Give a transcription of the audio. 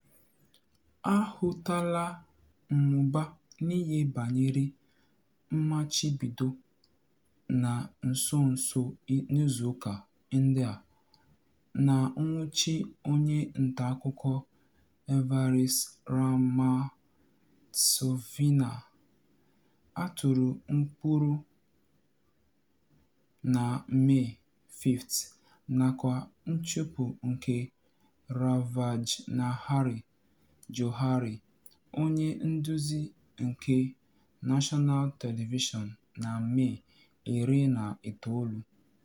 A hụtala mmụba n'ihe banyere mmachibido na nso nso n'izuụka ndị a, na nnwụchi onye ntaakụkọ Evariste Ramanatsoavina, a tụrụ mkpọrọ na Mee, 5th, nakwa nchụpụ nke Ravoajanahary Johary, onye nduzi nke National Television na Mee 19th.